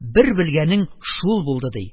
Бер белгәнең шул булды, - ди.